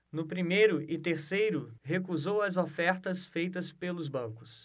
no primeiro e terceiro recusou as ofertas feitas pelos bancos